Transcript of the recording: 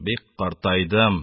Бик картайдым,